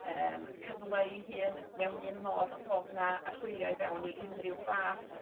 yrm cyfleu 'i hun mewn un modd bod 'na archwilio fewn i unrhyw fath